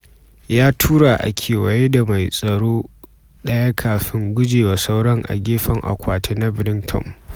Ya tura a kewaye da mai tsaro daya kafin gujewa sauran a gefen akwati na Brighton.